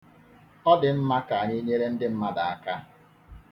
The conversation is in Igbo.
Ọ dị mma ka anyị nyere ndị mmadụ aka.